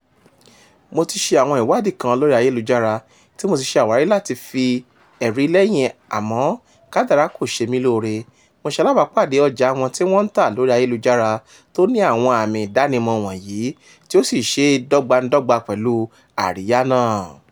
Mo ti ṣe àwọn ìwádìí kan lórí ayélujára tí mo sì ṣe àwárí láti fi ti ẹ̀rí lẹ́yìn àmọ́ kádàrá kò ṣe mí lóore, mo ṣalábàápàdé ọjàa wọn tí wọ́n ń tà lórí ayélujára tó ní àwọn ààmi ìdánimọ̀ wọ̀nyí, tí ó sì ṣe dọ́gba-n-dọ́gba pẹ̀lú àríyá náà...